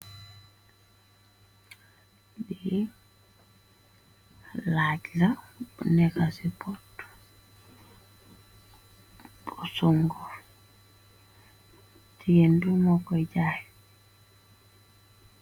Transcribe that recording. Bi lajj la bu neka ci pot bosungo ci yendu mo koy jaaye.